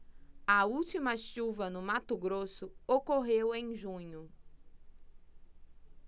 a última chuva no mato grosso ocorreu em junho